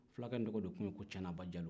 fulakɛ in tɔgɔ de tun ye ko canaba jalo